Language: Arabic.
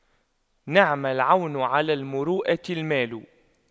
نعم العون على المروءة المال